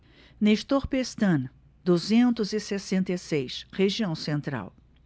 nestor pestana duzentos e sessenta e seis região central